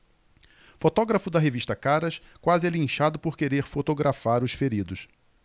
fotógrafo da revista caras quase é linchado por querer fotografar os feridos